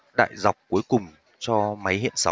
đại dọc cuối cùng cho máy hiện sóng